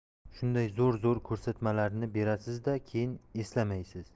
shunday zo'r zo'r ko'rsatmalarni berasiz da keyin eslamaysiz